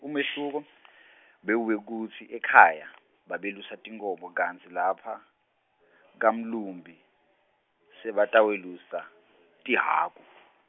umehluko , bewuwekutsi ekhaya , bebelusa tinkhomo kantsi lapha, kamlumbi, sebatawelusa, tihhaku.